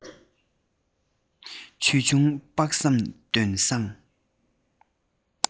ཆོས འབྱུང དཔག བསམ ལྗོན བཟང